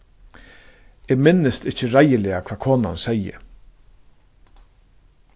eg minnist ikki reiðiliga hvat konan segði